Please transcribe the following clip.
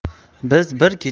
biz bir kecha